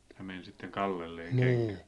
ja meni sitten kallelleen kenkä